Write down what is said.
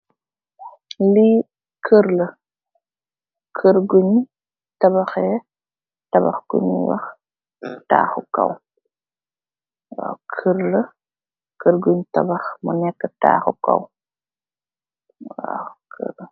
Li kuer la, kuer gun, babahe tabah gunu wah, tahhu kaw. Waaw, kuer la, kuer gun tabah muneka tahhu kaw. Waaw, kuer la.